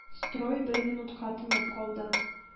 Строй бер минутка тынып калды.